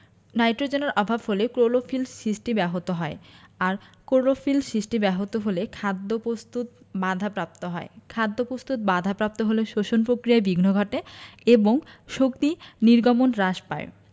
নাইট্রোজেনের অভাব হলে ক্লোরোফিল সৃষ্টি ব্যাহত হয় আর ক্লোরোফিল সৃষ্টি ব্যাহত হলে খাদ্য প্রস্তুত বাধাপ্রাপ্ত হয় খাদ্যপ্রস্তুত বাধাপ্রাপ্ত হলে শ্বসন প্রক্রিয়ায় বিঘ্ন ঘটে এবং শক্তি নির্গমন হ্রাস পায়